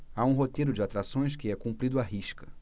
há um roteiro de atrações que é cumprido à risca